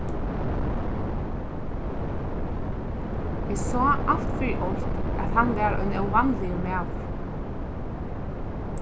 eg sá alt fyri eitt at hann var ein óvanligur maður